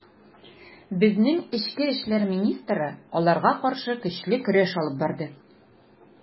Безнең эчке эшләр министры аларга каршы көчле көрәш алып барды.